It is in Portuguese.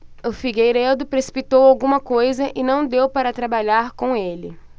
o figueiredo precipitou alguma coisa e não deu para trabalhar com ele